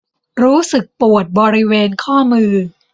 รู้สึกปวดบริเวณข้อมือ